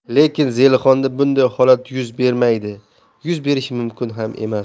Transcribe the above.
lekin zelixonda bunday holat yuz bermaydi yuz berishi mumkin ham emas